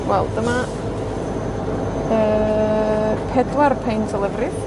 Wel dyma, yy pedwar peint o lefrith.